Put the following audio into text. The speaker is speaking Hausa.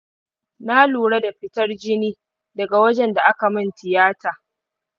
na lura da fitar jini daga wajen da akamun tiyata